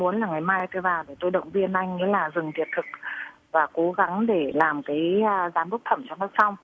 muốn là ngày mai tôi vào để tôi động viên anh ấy là dừng tuyệt thực và cố gắng để làm cái giám đốc thẩm cho nó xong